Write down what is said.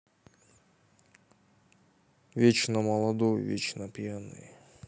вечно молодой вечно пьяный